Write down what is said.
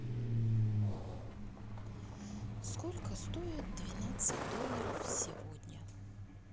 сколько стоят двенадцать долларов сегодня